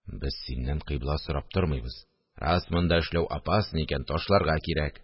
– без синнән кыйбла сорап тормыйбыз, рас монда эшләү опасно икән, ташларга кирәк